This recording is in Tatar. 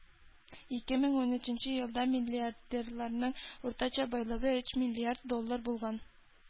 Ике мең унөченче елда миллиардерларның уртача байлыгы өч миллиард доллар булган.